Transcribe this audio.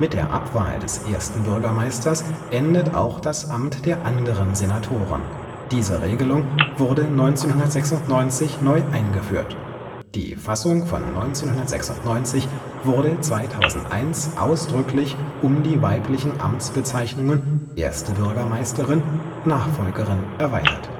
der Abwahl des Ersten Bürgermeisters endet auch das Amt der anderen Senatoren; diese Regelung wurde 1996 neu eingeführt. Die Fassung von 1996 wurde 2001 ausdrücklich um die weiblichen Amtsbezeichnungen („ Erste Bürgermeisterin “,„ Nachfolgerin “) erweitert